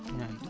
ñande